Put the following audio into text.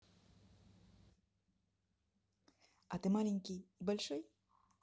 а ты маленький и большой